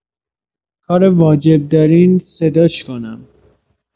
کار واجب دارین صداش کنم؟